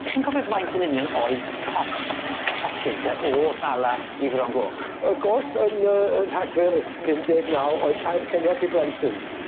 Y'ch chi'n cofio faint yn union oedd cost tocyn te o Bala i Fron Goch? Y gost yn yy yn Rhagfyr pum deg naw oedd tair ceiniog i blentyn.